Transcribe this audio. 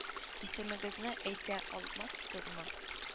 Исемегезне әйтә алмассызмы